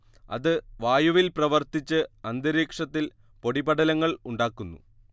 അത് വായുവിൽ പ്രവർത്തിച്ച് അന്തരീക്ഷത്തിൽ പൊടിപടലങ്ങൾ ഉണ്ടാക്കുന്നു